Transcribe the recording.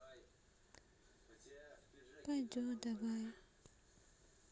пойдет давай